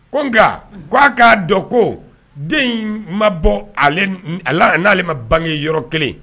Ko nka k'a k'a dɔn ko den in ma bɔ n'ale ma bange yɔrɔ kelen